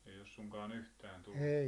ei ole suinkaan yhtään tullut